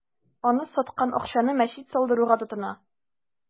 Аны саткан акчаны мәчет салдыруга тотына.